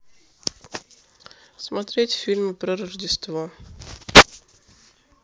смотреть фильмы про рождество